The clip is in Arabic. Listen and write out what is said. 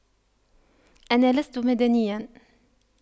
أنا لست مدنيا